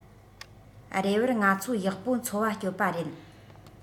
རེ བར ང ཚོ ཡག པོ འཚོ བ སྤྱོད པ རེད